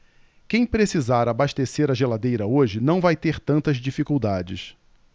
quem precisar abastecer a geladeira hoje não vai ter tantas dificuldades